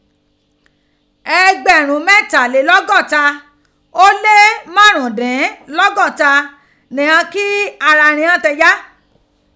Ẹgbẹrun mẹtalelọgọta o le marundinlgọta nighan ki ara rihan ti ya.